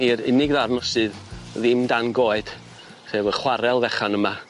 ###i'r unig ddarn sydd ddim dan goed, sef y chwarel fechan yma.